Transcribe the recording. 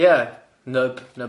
Ie nub, nubbin.